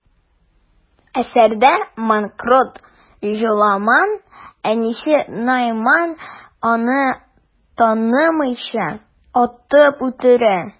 Әсәрдә манкорт Җоламан әнисе Найман ананы танымыйча, атып үтерә.